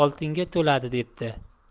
oltinga to'ladi debdi